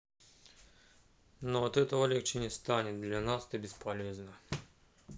но от этого легче не станет для нас ты бесполезна